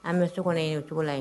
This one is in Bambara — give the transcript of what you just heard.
An bɛ so kɔnɔ yen, nin cogo la ye